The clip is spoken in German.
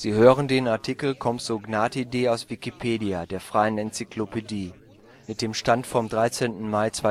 hören den Artikel Compsognathidae, aus Wikipedia, der freien Enzyklopädie. Mit dem Stand vom Der Inhalt